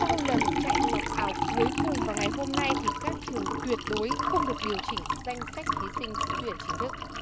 sau lần chạy lọc ảo cuối cùng vào ngày hôm nay thì các trường tuyệt đối không được điều chỉnh danh sách thí sinh trúng tuyển chính thức